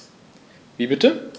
Wie bitte?